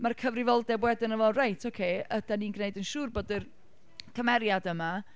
Mae'r cyfrifoldeb wedyn o feddwl, reit, ocê, ydan ni'n gwneud yn siŵr bod yr cymeriad yma...